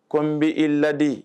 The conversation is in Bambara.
Ko n bi i ladi.